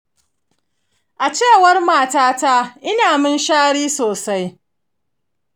a cewar matata, ina munshari sosai.